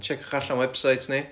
tsieciwch allan website ni